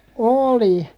oli